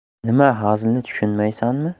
nima hazilni tushunmaysanmi